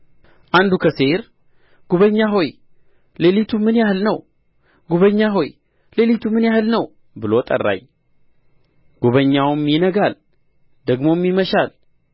አንዱ ከሴይር ጕበኛ ሆይ ሌሊቱ ምን ያህል ነው ጕበኛ ሆይ ሌሊቱ ምን ያህል ነው ብሎ ጠራኝ ጕበኛውም ይነጋል ድግሞም ይመሻል